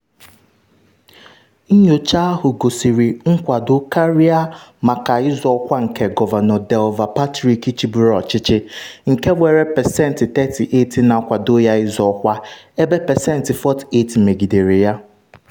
Nyocha ahụ gosiri nkwado karịa maka ịzọ ọkwa nke Governor Deval Patrick chịburu ọchịchị, nke nwere pesentị 38 na-akwado ya ịzọ ọkwa ebe pesentị 48 megidere ya.